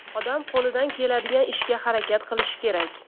odam qo'lidan keladigan ishga harakat qilishi kerak